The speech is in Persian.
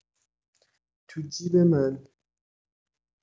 تو جیب من